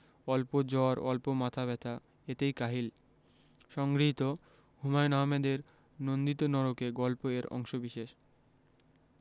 অল্প জ্বর অল্প মাথা ব্যাথা এতেই কাহিল সংগৃহীত হুমায়ুন আহমেদের নন্দিত নরকে গল্প এর অংশবিশেষ